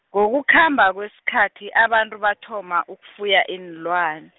ngokukhamba kwesikhathi abantu bathoma ukufuya iinlwan- .